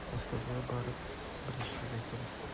Мәскәүгә барып белешергә кирәк.